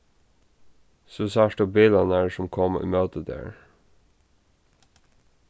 so sært tú bilarnar sum koma ímóti tær